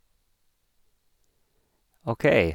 OK.